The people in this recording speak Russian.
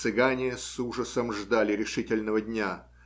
Цыгане с ужасом ждали решительного дня.